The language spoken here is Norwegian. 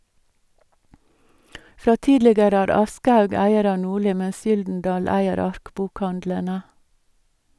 Fra tidligere er Aschehoug eier av Norli, mens Gyldendal eier Ark-bokhandlene.